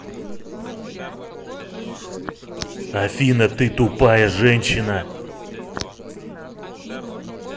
афина ты тупая женщина